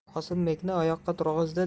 qosimbekni oyoqqa turg'izdi